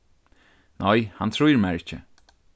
nei hann trýr mær ikki